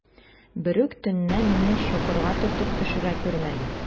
Берүк төнлә мине чокырга төртеп төшерә күрмәгез.